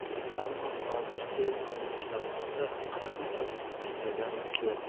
ammo hozirgi notinch zamonada qani biz istagan kuyov